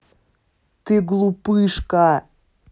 ты глупышка